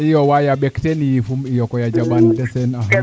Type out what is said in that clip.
iyo waay a ɓekteen yiifum iyo koy a jaɓaan de sene